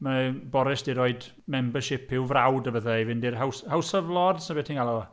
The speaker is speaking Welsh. Mae Boris 'di rhoi membership i'w frawd a bethau, i fynd House- House of Lords neu be ti'n galw fo.